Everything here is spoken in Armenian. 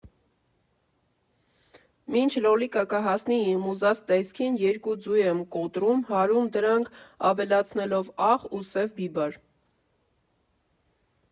Մինչ լոլիկը կհասնի իմ ուզած տեսքին, երկու ձու եմ կոտրում, հարում դրանք՝ ավելացնելով աղ ու սև բիբար։